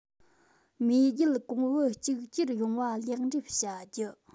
མེས རྒྱལ གོང བུ གཅིག གྱུར ཡོང བ ལེགས འགྲུབ བྱ རྒྱུ